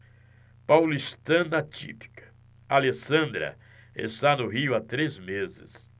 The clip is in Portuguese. paulistana típica alessandra está no rio há três meses